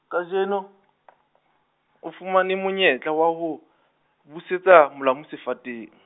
kajeno , o fumane monyetla wa ho, busetsa, molamu sefateng.